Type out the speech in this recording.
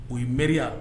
O ye mariaya